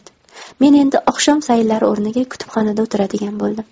men endi oqshom sayllari o'rniga kutubxonada o'tiradigan bo'ldim